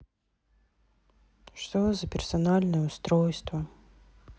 что за персональное устройство